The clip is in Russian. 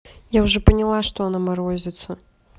я уже поняла что она морозится